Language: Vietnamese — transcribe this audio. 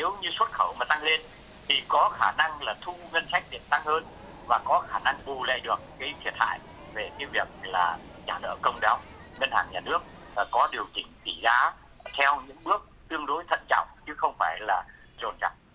nếu như xuất khẩu mà tăng lên thì có khả năng là thu ngân sách việt tăng hơn và có khả năng bù lại được cái thiệt hại về cái việc là trả nợ công đó ngân hàng nhà nước có điều chỉnh tỉ giá theo những bước tương đối thận trọng chứ không phải là dồn dập